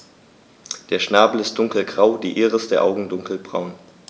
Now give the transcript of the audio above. Der Schnabel ist dunkelgrau, die Iris der Augen dunkelbraun.